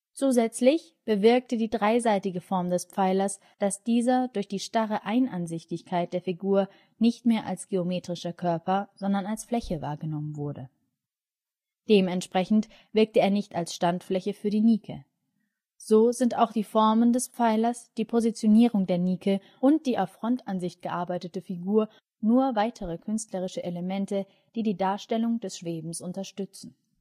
Zusätzlich bewirkte die dreiseitige Form des Pfeilers, dass dieser durch die starre Einansichtigkeit der Figur nicht mehr als geometrischer Körper, sondern als Fläche wahrgenommen wurde. Dementsprechend wirkte er nicht als Standfläche für die Nike. So sind auch die Form des Pfeilers, die Positionierung der Nike und die auf Frontansicht gearbeitete Figur nur weitere künstlerische Elemente, die die Darstellung des Schwebens unterstützen